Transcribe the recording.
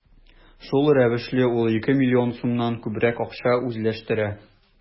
Шул рәвешле ул ике миллион сумнан күбрәк акча үзләштерә.